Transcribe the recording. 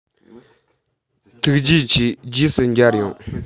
ཐུགས རྗེ ཆེ རྗེས སུ མཇལ ཡོང